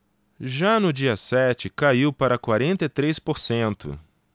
já no dia sete caiu para quarenta e três por cento